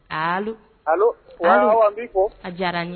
Ali a diyara n ye